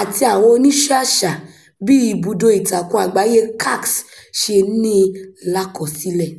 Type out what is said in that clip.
àti àwọn oníṣẹ́ àṣà, bí ibùdó ìtakùn àgbáyé CAX ṣe ní i lákọsílẹ̀.